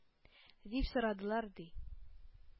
Дип сорадылар, ди.